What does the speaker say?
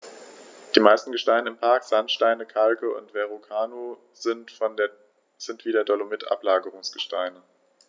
Die meisten Gesteine im Park – Sandsteine, Kalke und Verrucano – sind wie der Dolomit Ablagerungsgesteine.